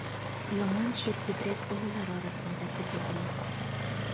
Яман чир күбрәк олылар арасында күзәтелә.